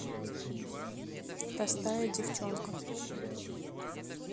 простая девчонка